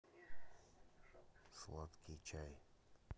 сладкий чай